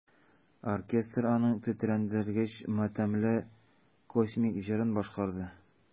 Оркестр аның тетрәндергеч матәмле космик җырын башкарды.